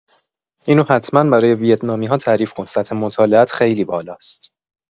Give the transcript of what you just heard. اینو حتما برای ویتنامی‌ها تعریف کن سطح مطالعه‌ات خیلی بالاست